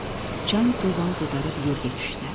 chang to'zon ko'tarib yo'lga tushdi